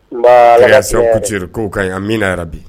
Nba ala seku ko kan amina yɛrɛ bi